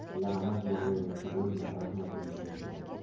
la'nat yog'diruvchi bo'lma rahmat eshituvchi bo'l